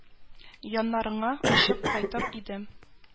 Яннарыңа очып кайтыр идем